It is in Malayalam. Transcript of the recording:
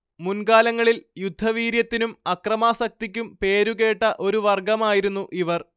മുൻകാലങ്ങളിൽ യുദ്ധവീര്യത്തിനും അക്രമാസക്തിക്കും പേരുകേട്ട ഒരു വർഗ്ഗമായിരുന്നു ഇവർ